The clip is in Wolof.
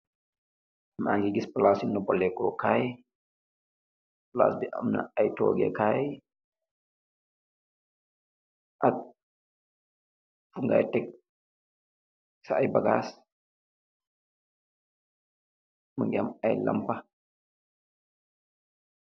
Mangy gis phlasi nobalehh kor kaii, pahlass bii amna iiiy torgeh kaii ak fu ngai tek sa iiy bagass, mungy am iiy lampah.